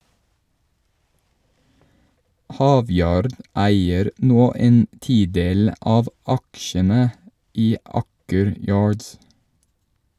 Havyard eier nå en tidel av aksjene i Aker Yards.